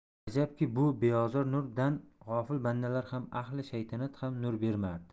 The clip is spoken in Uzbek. ajabki bu beozor nur dan g'ofil bandalar ham ahli shaytanat ham nur emardi